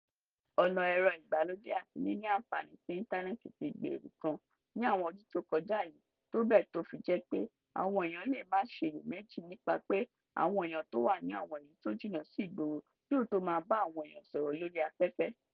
Ọ̀na ẹ̀rọ ìgbàlódé àti nínì àǹfààaní sí íntànẹ́ẹ̀tì ti gbeèrù gan ní àwọn ọdún tó kọja yìí tó bẹ́ẹ̀ tó fi jẹ́ pé àwọn eèyàn lè má lè ṣe iyèméjì nípa pé àwọn eèyàn tó wà ní àwọn ìlú tó jìnnà sí ìgboro yóò tó máà bá àwọn eèyàn sọ̀rọ̀ lórí afẹ́fẹ́.